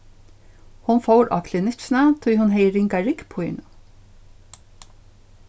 hon fór á klinikkina tí hon hevði ringa ryggpínu